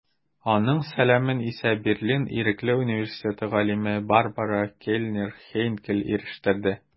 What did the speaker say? Аның сәламен исә Берлин Ирекле университеты галиме Барбара Кельнер-Хейнкель ирештерде.